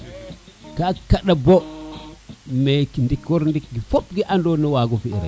ka kaɗa bo meke ndiko ndik fop ke ando na wago fi rek